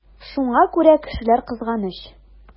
Шуңа күрә кешеләр кызганыч.